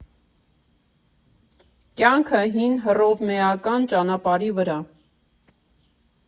Կյանքը հին հռովմեական ճանապարհի վրա։